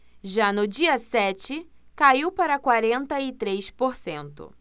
já no dia sete caiu para quarenta e três por cento